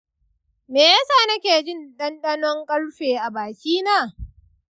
me ya sa nake jin ɗanɗanon ƙarfe a bakina?